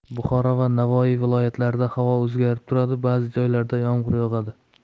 buxoro va navoiy viloyatlarida havo o'zgarib turadi ba'zi joylarda yomg'ir yog'adi